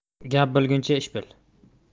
gap bilguncha ish bil